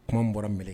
Kuma bɔra m